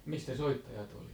mistä soittajat oli